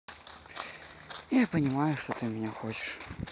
я не понимаю что ты меня хочешь